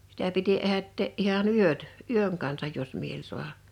sitä piti ehättää ihan yöt yön kanssa jos mieli saada